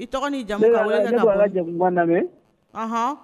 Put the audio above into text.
I tɔgɔ ni jamu ka weeleli kɛ ka mun? n bɛ ka'ka jamukan lamɛn., ɔnhɔn.